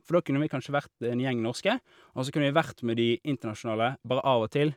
For da kunne vi kanskje vært en gjeng norske, og så kunne vi vært med de internasjonale bare av og til.